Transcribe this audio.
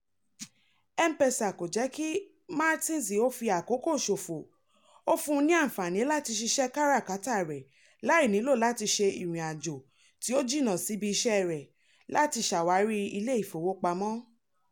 M-Pesa kò jẹ́ kí Martins ó fi àkókò ṣòfò, ó fún un ní àǹfààní láti ṣiṣẹ́ káràkátà rẹ̀ láì nílò láti ṣe ìrìnàjò tí ó jìnà síbi iṣẹ́ rẹ̀ láti ṣàwárí ilé ìfowópamọ́.